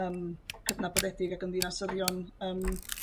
yym cydnabyddedig ag yn ddinasyrddion yym